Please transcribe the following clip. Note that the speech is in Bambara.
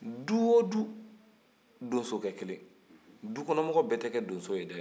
du o do donsokɛ kelen du kɔnɔ mɔgɔ bɛɛ tɛ kɛ donso ye dɛ